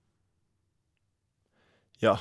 Ja.